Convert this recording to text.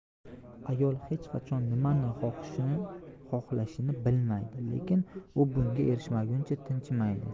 ayol hech qachon nimani xohlashini bilmaydi lekin u bunga erishmaguncha tinchimaydi